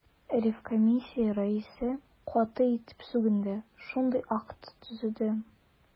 Ревкомиссия рәисе каты итеп сүгенде, шундук акт төзеде.